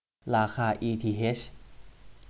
ราคาอีทีเฮช